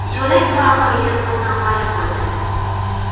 yo'lak qorong'iligida ko'zdan g'oyib bo'ldi